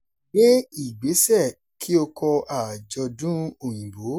Gbé ìgbésẹ̀ kí o kọ àjọ̀dún Òyìnbó.